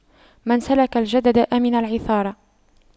من سلك الجدد أمن العثار